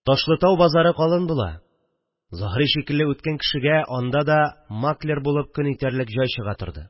Ташлытау базары калын була, Заһри шикелле үткен кешегә анда да маклер булып көн итәрлек җай чыга торды